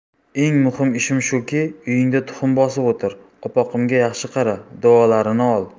eng muhim ishim shuki uyingda tuxum bosib o'tir opoqimga yaxshi qara duolarini ol